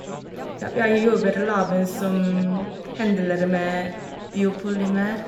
Ja, jeg jobber laben som handler med biopolymer.